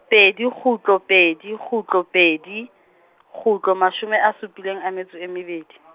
pedi kgutlo pedi kgutlo pedi, kgutlo mashome a supileng a metso e mebedi .